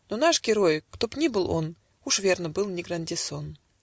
Но наш герой, кто б ни был он, Уж верно был не Грандисон.